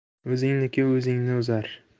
o'zingniki o'zagingni uzar